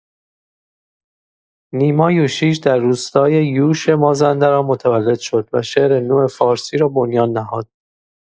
نیما یوشیج در روستای یوش مازندران متولد شد و شعر نو فارسی را بنیان نهاد.